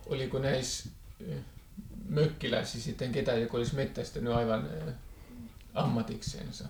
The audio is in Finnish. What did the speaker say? oliko näissä mökkiläisissä sitten ketään joka olisi metsästänyt aivan ammatiksensa